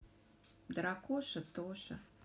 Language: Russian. дракоша тоша